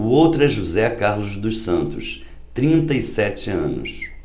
o outro é josé carlos dos santos trinta e sete anos